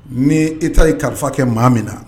Ni e taa ye kalifa kɛ maa min na